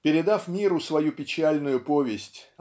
Передав миру свою печальную повесть